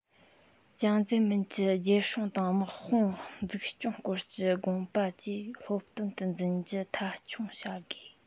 ཅང ཙེ རྨིན གྱི རྒྱལ སྲུང དང དམག དཔུང འཛུགས སྐྱོང སྐོར གྱི དགོངས པ བཅས སློབ སྟོན དུ འཛིན རྒྱུ མཐའ འཁྱོངས བྱ དགོས